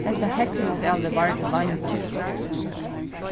hetta heglingsælið vardi leingi